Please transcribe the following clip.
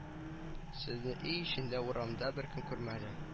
Сезне өй эчендә урамда беркем күрмәдеме